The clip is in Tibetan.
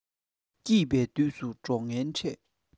སྐྱིད པའི དུས སུ གྲོགས ངན འཕྲད